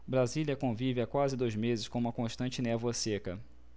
brasília convive há quase dois meses com uma constante névoa seca